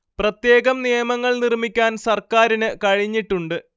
പ്രത്യേകം നിയമങ്ങൾ നിർമ്മിക്കാൻ സർക്കാരിന് കഴിഞ്ഞിട്ടുണ്ട്